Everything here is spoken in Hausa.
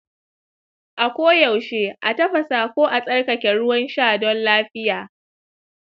a koyaushe a tafasa ko a tsarkake ruwan sha don lafiya.